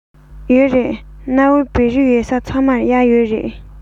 ཡོད རེད གནའ བོའི བོད རིགས ཡོད ས ཚང མར གཡག ཡོད རེད